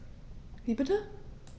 Wie bitte?